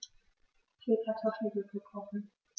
Ich will Kartoffelsuppe kochen.